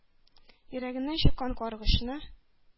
Йөрәгеннән чыккан каргышны.